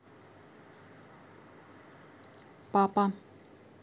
папа